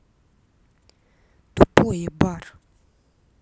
тупое бар